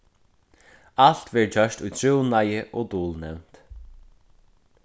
alt verður gjørt í trúnaði og dulnevnt